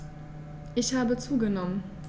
Ich habe zugenommen.